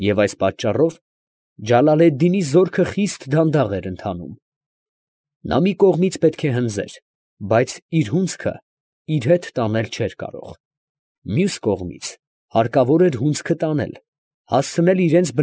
Եվ այս պատճառով Ջալալեդդինի զորքը խիստ դանդաղ էր ընթանում. նա մի կողմից պետք է հնձեր, բայց իր հունձքը իր հետ տանել չէր կարող, ֊ մյուս կողմից, հարկավոր էր հունձքը տանել, հասցնել իրանց։